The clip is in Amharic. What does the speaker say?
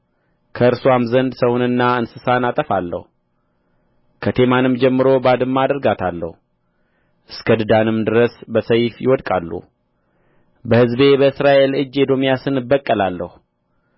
ከእርስዋም ዘንድ ሰውንና እንስሳን አጠፋለሁ ከቴማንም ጀምሮ ባድማ አደርጋታለሁ እስከ ድዳንም ድረስ በሰይፍ ይወድቃሉ በሕዝቤ በእስራኤል እጅ ኤዶምያስን እበቀላለሁ